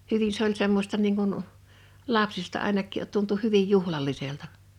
hyvin se oli semmoista niin kuin lapsista ainakin tuntui hyvin juhlalliselta